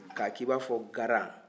k'a kɛ i b'a fɔ garan